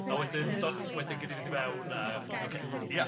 A wedyn do- wedyn gei di fynd i fewn a ocê ia.